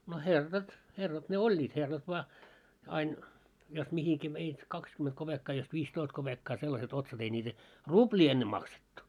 no herrat herrat ne olivat herrat vain aina jos mihin veit kaksi kopeekkaa jos viisitoista kopeekkaa sellaiset otsat ei niitä ruplia ennen maksettu